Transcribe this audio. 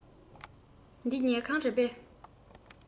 འདི ཉལ ཁང རེད པས